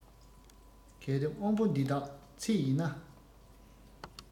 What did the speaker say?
གལ ཏེ དབང པོ འདི དག ཚད ཡིན ན